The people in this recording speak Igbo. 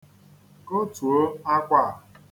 Kotuo akwa a.